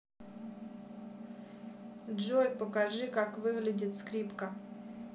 джой покажи как выглядит скрипка